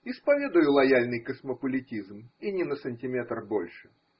Исповедую лояльный космополитизм, и ни на сантиметр больше.